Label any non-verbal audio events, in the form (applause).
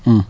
(hesitation)